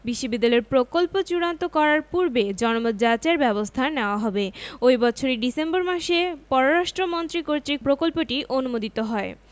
বিশ্ববিদ্যালয়ের প্রকল্প চূড়ান্ত করার পূর্বে জনমত যাচাইয়ের ব্যবস্থা নেওয়া হয় ঐ বৎসরই ডিসেম্বর মাসে পররাষ্ট্র মন্ত্রী কর্তৃক প্রকল্পটি অনুমোদিত হয়